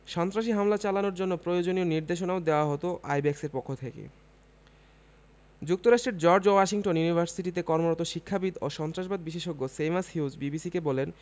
সন্ত্রাসী হামলা চালানোর জন্য প্রয়োজনীয় নির্দেশনাও দেওয়া হতো আইব্যাকসের পক্ষ থেকে যুক্তরাষ্ট্রের জর্জ ওয়াশিংটন ইউনিভার্সিটিতে কর্মরত শিক্ষাবিদ ও সন্ত্রাসবাদ বিশেষজ্ঞ সেইমাস হিউজ বিবিসিকে বলেন